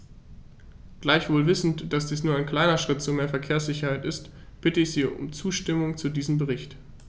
Gleichwohl wissend, dass dies nur ein kleiner Schritt zu mehr Verkehrssicherheit ist, bitte ich Sie um die Zustimmung zu diesem Bericht.